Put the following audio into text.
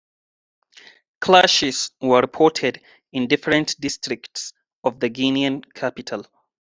Clashes were reported in different districts of the Guinean capital.